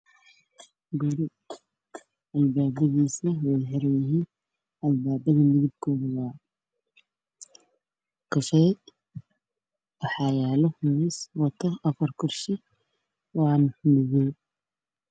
Waa Guri albaabadiisa wada xiran yihiin